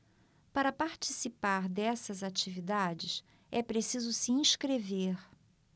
para participar dessas atividades é preciso se inscrever